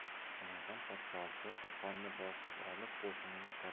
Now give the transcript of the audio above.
samarqand podshosi qo'qonni bosib olib qo'shiniga